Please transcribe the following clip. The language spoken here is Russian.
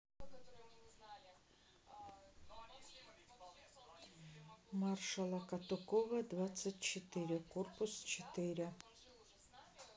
маршала катукова двадцать четыре корпус четыре